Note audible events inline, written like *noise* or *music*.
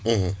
*hesitation* *hesitation*